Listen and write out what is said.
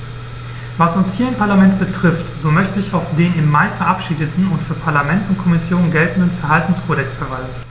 Was uns hier im Parlament betrifft, so möchte ich auf den im Mai verabschiedeten und für Parlament und Kommission geltenden Verhaltenskodex verweisen.